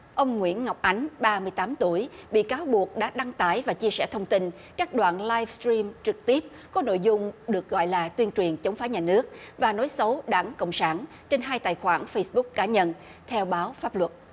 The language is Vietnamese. ông nguyễn ngọc ánh ba mươi tám tuổi bị cáo buộc đã đăng tải và chia sẻ thông tin các đoạn lai sờ trim trực tiếp có nội dung được gọi là tuyên truyền chống phá nhà nước và nói xấu đảng cộng sản trên hai tài khoản phây búc cá nhân theo báo pháp luật